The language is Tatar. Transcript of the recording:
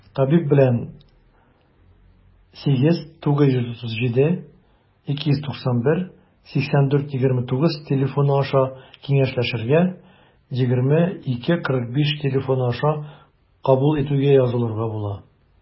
Табиб белән 89372918429 телефоны аша киңәшләшергә, 20-2-45 телефоны аша кабул итүгә язылырга була.